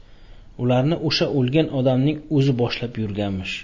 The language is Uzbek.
ularni o'sha o'lgan odamning o'zi boshlab yurganmish